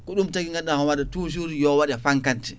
ko ɗum tagui ko ganduɗa o waɗat toujours yo waɗe fankante